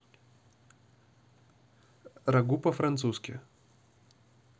рагу по французски